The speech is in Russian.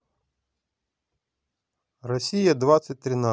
россия двадцать тридцать